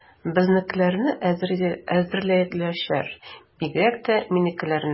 Безнекеләрне эзәрлекләячәкләр, бигрәк тә минекеләрне.